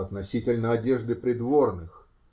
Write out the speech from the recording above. -- Относительно одежды придворных?